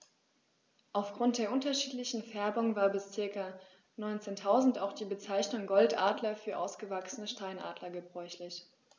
Auf Grund der unterschiedlichen Färbung war bis ca. 1900 auch die Bezeichnung Goldadler für ausgewachsene Steinadler gebräuchlich.